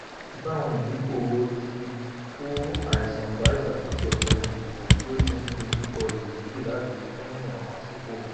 Súgbọ̀n àwọn ẹ̀dínkù owó ti kó àìsàn bá ìṣàkóso ọ̀gbẹ́ni Joko bí ó ti ń dojúkọ ìbò dídì láti tún yàn an sípò.